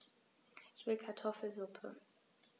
Ich will Kartoffelsuppe.